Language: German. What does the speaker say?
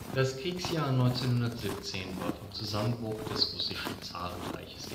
Das Kriegsjahr 1917 war vom Zusammenbruch des russischen Zarenreiches